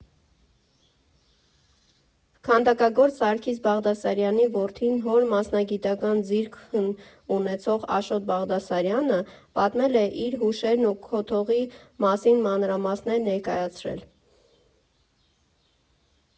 Քանդակագործ Սարգիս Բաղդասարյանի որդին՝ հոր մասնագիտական ձիրքն ունեցող Աշոտ Բաղդասարյանը, պատմել է իր հուշերն ու կոթողի մասին մանրամասներ ներկայացրել։